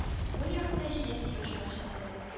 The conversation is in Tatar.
Бу якта җиләк-җимеш бакчасы